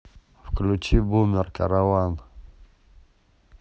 включи бумер караван